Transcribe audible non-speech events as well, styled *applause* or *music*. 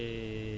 *hesitation* *hesitation*